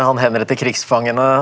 han henretter krigsfangene.